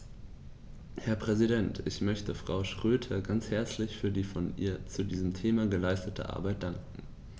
Herr Präsident, ich möchte Frau Schroedter ganz herzlich für die von ihr zu diesem Thema geleistete Arbeit danken.